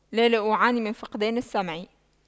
لا لا أعاني من فقدان السمع